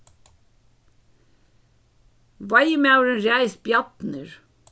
veiðimaðurin ræðist bjarnir